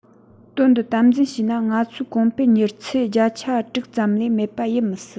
དོན འདི དམ འཛིན བྱས ན ང ཚོའི གོང འཕེལ མྱུར ཚ བརྒྱ ཆ དྲུག ཙམ ལས མེད པ ཡིན མི སྲིད